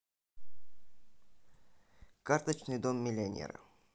картонный дом миллионера